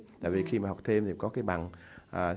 tại vì khi mà học thêm để có cái bằng